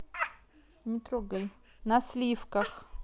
на сливках